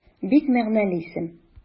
Бик мәгънәле исем.